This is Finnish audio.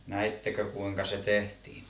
näittekö kuinka se tehtiin